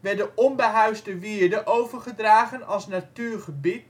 werd de onbehuisde wierde overgedragen als natuurgebied